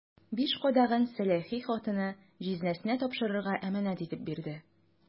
Биш кадагын сәләхи хатыны җизнәсенә тапшырырга әманәт итеп бирде.